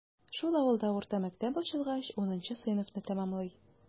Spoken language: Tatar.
Шул авылда урта мәктәп ачылгач, унынчы сыйныфны тәмамлый.